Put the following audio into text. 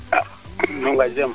nunga jam